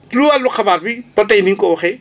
ci wàllu xabaar bi ba tey ni nga ko waxee